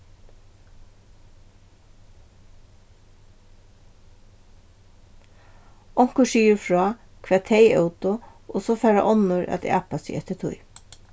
onkur sigur frá hvat tey ótu og so fara onnur at apa seg eftir tí